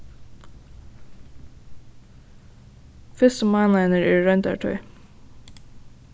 fyrstu mánaðirnir eru royndartíð